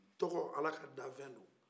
tɔgɔ ala ka danfɛn do